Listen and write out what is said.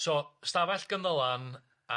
So, Stafell Gyndylan a’m